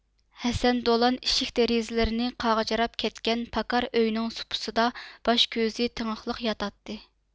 ھەسەن دولان ئىشىك دېرىزىلىرى قاغجىراپ كەتكەن پاكار ئۆينىڭ سۇپىسىدا باش كۆزى تېڭىقلىق ياتاتتى